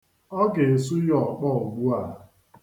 Ọ ga-esu ya ọkpọ ugbua.